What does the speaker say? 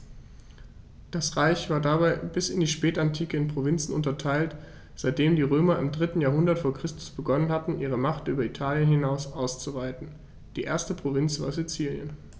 Das Reich war dabei bis in die Spätantike in Provinzen unterteilt, seitdem die Römer im 3. Jahrhundert vor Christus begonnen hatten, ihre Macht über Italien hinaus auszuweiten (die erste Provinz war Sizilien).